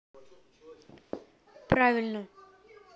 правильно